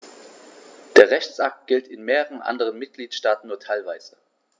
Der Rechtsakt gilt in mehreren anderen Mitgliedstaaten nur teilweise.